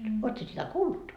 olet sinä sitä kuullut